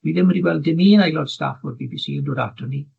dwi ddim wedi gweld dim un aelod staff o'r Bee Bee See yn dod aton ni